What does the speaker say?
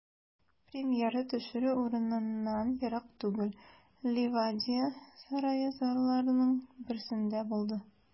Премьера төшерү урыныннан ерак түгел, Ливадия сарае залларының берсендә булды.